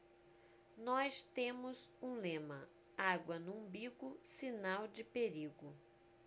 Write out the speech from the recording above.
nós temos um lema água no umbigo sinal de perigo